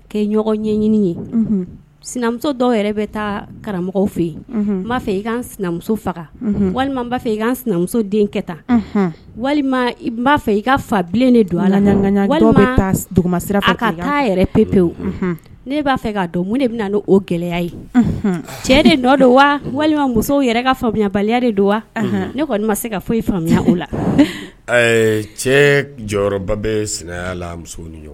Sinamuso dɔw bɛ taa karamɔgɔ fɛ yen'a fɛ i ka sinamuso faga walima b'a fɛ i ka sinamuso den tan walima'a fɛ i ka fa de don ala walima k' taa yɛrɛ pe pewu ne b'a fɛ k'a dɔn mun de bɛ na o gɛlɛya ye cɛ de dɔ don wa walima musow yɛrɛ ka faamuyaya de don wa ne kɔni ma se ka foyi faamuya o la cɛ jɔyɔrɔba bɛ la